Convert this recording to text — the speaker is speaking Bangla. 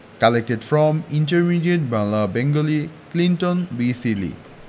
collected from intermediate Bangla Bengali Clinton B Seely